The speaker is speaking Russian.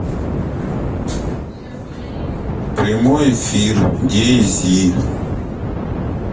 прямой эфир дей зи